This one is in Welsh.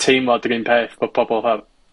teimlad yr un peth bo' pobol 'tha